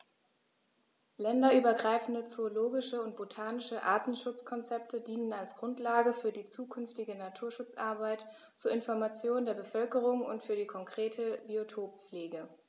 Länderübergreifende zoologische und botanische Artenschutzkonzepte dienen als Grundlage für die zukünftige Naturschutzarbeit, zur Information der Bevölkerung und für die konkrete Biotoppflege.